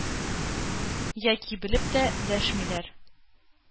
Яки белеп тә дәшмиләр.